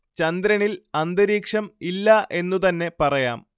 ചന്ദ്രനില്‍ അന്തരീക്ഷം ഇല്ല എന്നു തന്നെ പറയാം